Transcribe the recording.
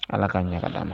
Ala k'a ɲɛ ka d'an ma